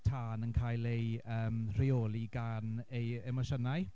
tân yn cael ei yym rheoli gan ei emosiynau.